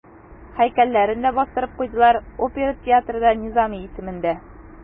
Һәйкәлләрен дә бастырып куйдылар, опера театры да Низами исемендә.